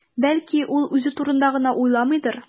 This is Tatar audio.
Бәлки, ул үзе турында гына уйламыйдыр?